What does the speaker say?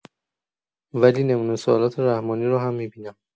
ولی نمونه سوالات رحمانی رو هم می‌بینم